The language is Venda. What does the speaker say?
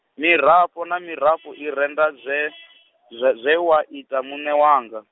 mirafho na mirafho i renda zwe, zwe wa ita muṋe wanga.